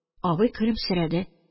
Абый көлемсерәде